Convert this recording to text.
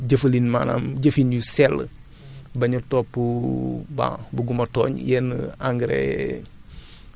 naka lañ leen ni yokkee doole ba pare teg ko ci ay jëfalin maanaam jëfin yu sell